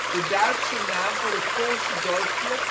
de Duitse naam voor het Poolse dorpje